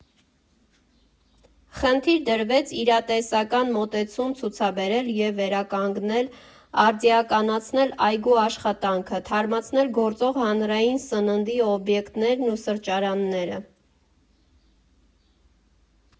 Խնդիր դրվեց իրատեսական մոտեցում ցուցաբերել և վերականգնել, արդիականացնել այգու աշխատանքը, թարմացնել գործող հանրային սննդի օբյեկտներն ու սրճարանները։